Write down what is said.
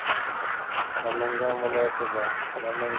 namangan viloyatida namangan